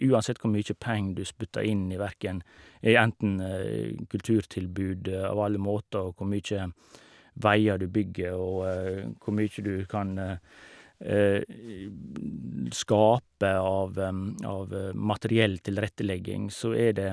Uansett hvor mye penger du spytter inn i hverken i enten kulturtilbud av alle måter, og hvor mye veier du bygger, og hvor mye du kan skape av av materiell tilrettelegging, så er det...